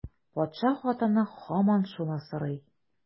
Патша хатыны һаман шуны сорый.